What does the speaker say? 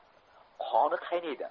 qoni qaynaydi